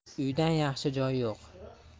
uydan yaxshi joy yo'q